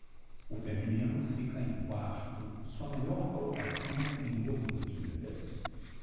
o feminino fica em quarto sua melhor colocação em olimpíadas